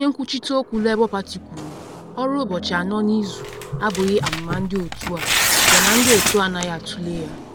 Onye nkwuchite okwu Labour Party kwuru: ‘Ọrụ ụbọchị anọ n’izu abughị amụma ndị otu a nke na ndị otu a anaghị atule ya.’